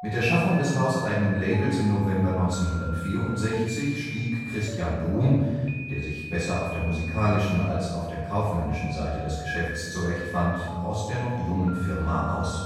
Mit der Schaffung des hauseigenen Labels im November 1964 stieg Christian Bruhn, der sich besser auf der musikalischen als auf der kaufmännischen Seite des Geschäfts zurechtfand, aus der noch jungen Firma aus